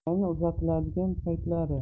ayni uzatiladigan paytlari